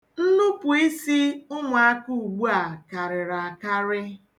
Nnupụisi ụmụaka ugbu a karịrị akarị.